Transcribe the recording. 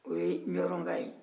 o ye ɲɔrɔ ka ye